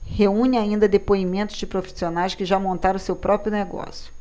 reúne ainda depoimentos de profissionais que já montaram seu próprio negócio